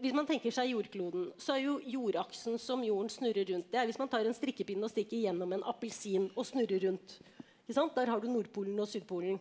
hvis man tenker seg jordkloden så er jo jordaksen som jorden snurrer rundt det er hvis man tar en strikkepinne og stikker gjennom en appelsin og snurrer rundt ikke sant der har du Nordpolen og Sydpolen.